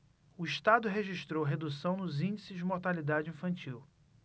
o estado registrou redução nos índices de mortalidade infantil